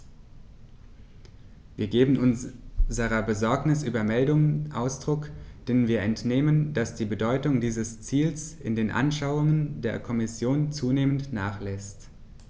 Wir geben unserer Besorgnis über Meldungen Ausdruck, denen wir entnehmen, dass die Bedeutung dieses Ziels in den Anschauungen der Kommission zunehmend nachlässt.